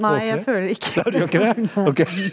nei jeg føler ikke det nei.